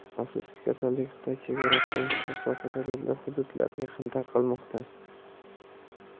afsuski kasallik xitoy chegarasidan chiqib boshqa davlatlar hududlariga ham tarqalmoqda